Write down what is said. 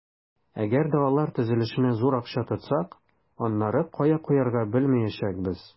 Әгәр дә алар төзелешенә зур акча тотсак, аннары кая куярга белмәячәкбез.